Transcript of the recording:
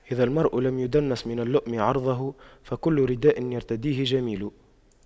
إذا المرء لم يدنس من اللؤم عرضه فكل رداء يرتديه جميل